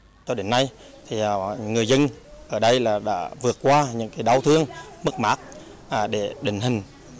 cho đến nay theo người dân ở đây là đã vượt qua những đau thương mất mát để định hình